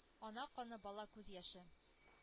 Ана каны, бала күз яше.